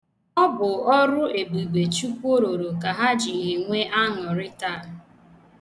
Ọ bụ ọrụebube Chukwu rụrụ ka ha ji enwe aṅụrị taa.